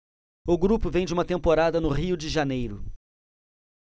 o grupo vem de uma temporada no rio de janeiro